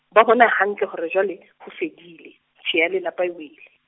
ba bona hantle hore jwale, ho fedile, tshiya ya le lapa e wele.